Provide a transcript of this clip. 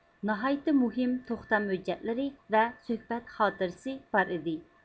ناھايتى مۇھىم توختام ھۈججەتلىرى ۋە سۆھبەت خاتىرىسى بار ئىدى